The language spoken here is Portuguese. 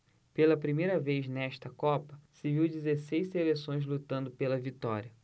pela primeira vez nesta copa se viu dezesseis seleções lutando pela vitória